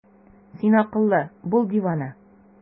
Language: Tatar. Син акыллы, бул дивана!